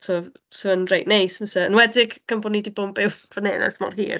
So sa fo'n reit neis yn fyse? Yn enwedig gan bod ni 'di bod yn byw yn fan hyn ers mor hir.